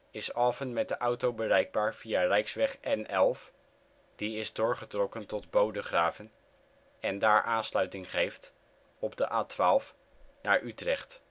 is Alphen met de auto bereikbaar via rijksweg N11, die is doorgetrokken tot Bodegraven en daar aansluiting geeft op de A12 naar Utrecht